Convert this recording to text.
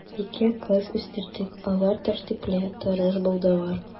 Ике кыз үстердек, алар тәртипле, тырыш булдылар.